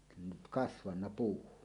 nyt kasvanut puu